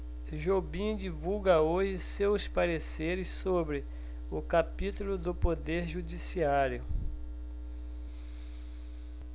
jobim divulga hoje seus pareceres sobre o capítulo do poder judiciário